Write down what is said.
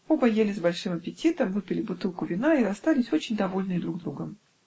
оба ели с большим аппетитом, выпили бутылку вина и расстались очень довольны друг другом.